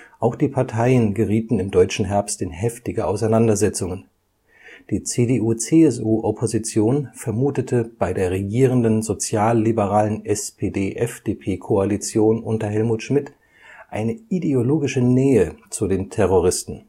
Auch die Parteien gerieten im Deutschen Herbst in heftige Auseinandersetzungen. Die CDU/CSU-Opposition vermutete bei der regierenden sozial-liberalen SPD/FDP-Koalition unter Helmut Schmidt (SPD) eine ideologische Nähe zu den Terroristen